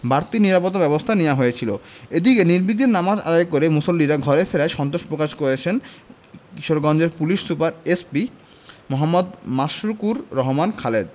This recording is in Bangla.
বাড়তি নিরাপত্তাব্যবস্থা নেওয়া হয়েছিল এদিকে নির্বিঘ্নে নামাজ আদায় করে মুসল্লিরা ঘরে ফেরায় সন্তোষ প্রকাশ করেছেন কিশোরগঞ্জের police super SP Md. Mashrukur Rahman Khaled